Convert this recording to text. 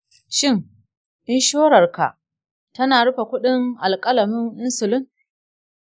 shin inshorarka tana rufe kudin alkalamin insulin?